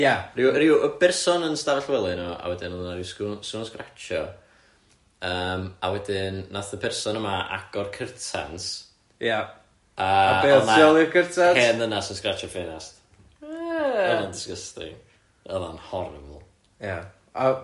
Ia, ryw ryw yy berson yn 'stafell wely yn'o fo a wedyn oedd yna ryw sgw- sŵn sgratsio yym a wedyn 'nath y person yma agor curtains... Ia ...a... be o'dd tu ôl i'r curtains? A oedd yna hen ddynas yn sgratsio ffenast. Yy! Oedd o'n disgusting, oedd o'n horrible... Ia a